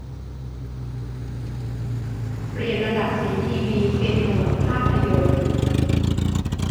เปลี่ยนระดับสีทีวีเป็นโหมดภาพยนต์